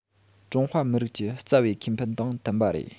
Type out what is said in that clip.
ཀྲུང ཧྭ མི རིགས ཀྱི རྩ བའི ཁེ ཕན དང མཐུན པ རེད